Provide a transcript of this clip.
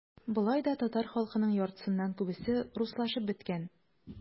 Болай да татар халкының яртысыннан күбесе - руслашып беткән.